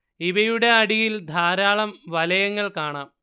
ഇവയുടെ അടിയിൽ ധാരാളം വലയങ്ങൾ കാണാം